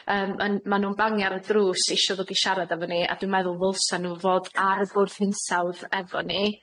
Yym yn- ma' nw'n bangio ar y drws isio ddod i siarad efo ni, a dwi meddwl ddylsa nw fod ar y Bwrdd Hinsawdd efo ni.